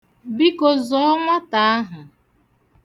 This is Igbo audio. Biko, zọọ nwata ahụ!